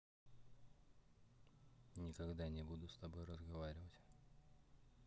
никогда не буду с тобой разговаривать